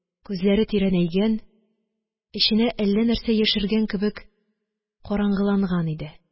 Күзләре тирәнәйгән, эченә әллә нәрсә яшергән кебек караңгыланган иде.